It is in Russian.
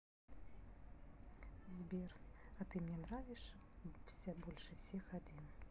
сбер а ты мне нравишься больше всех один